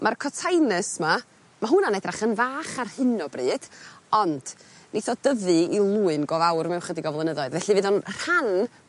Ma'r cotinus 'ma ma' hwnna'n edrach yn fach ar hyn o bryd ond n'ith o dyfu i lwyn go fawr mewn chydig o flynyddoedd felly fydd o'n rhan